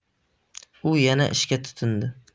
u yana ishga tutindi